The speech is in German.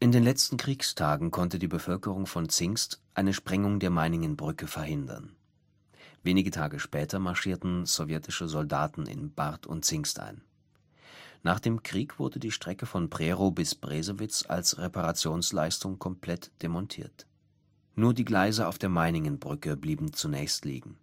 den letzten Kriegstagen konnte die Bevölkerung von Zingst eine Sprengung der Meiningenbrücke verhindern. Wenige Tage später marschierten sowjetische Soldaten in Barth und Zingst ein. Nach dem Krieg wurde die Strecke von Prerow bis Bresewitz als Reparationsleistung komplett demontiert; nur die Gleise auf der Meiningenbrücke blieben zunächst liegen